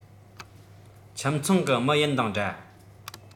ཁྱིམ ཚང གི མི ཡིན དང འདྲ